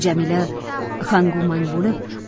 jamila hangu mang bo'lib